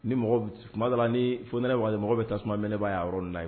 Ni mɔgɔ b tuma dɔ la ni fonɛnɛ waati mɔgɔ bɛ tasuma minɛba y'a yɔrɔ ninnu na yen